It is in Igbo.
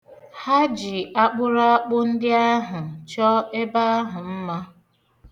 Ha ji akpụraakpụ ndị ahụ chọ ebe ahụ mma.